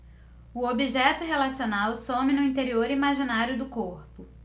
o objeto relacional some no interior imaginário do corpo